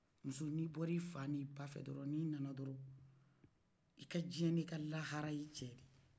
muso n'i bɔla fa ni ba dɔrɔ n'i nana dɔrɔ i ka jɛn ni ka lahara ye'i cɛ de ye